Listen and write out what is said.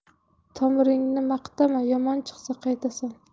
tomiringni maqtama yomon chiqsa qaytasan